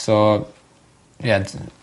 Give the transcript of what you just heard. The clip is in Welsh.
So ie dyna...